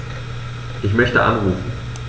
Ich möchte anrufen.